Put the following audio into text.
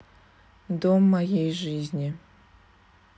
дом моей жизни